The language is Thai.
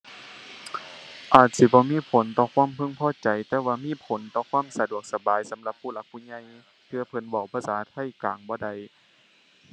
อาจสิบ่มีผลต่อความพึงพอใจ แต่ว่ามีผลต่อความสะดวกสบายสำหรับผู้หลัก ผู้ใหญ่ เผื่อเพิ่นเว้าภาษาไทยกลางบ่ได้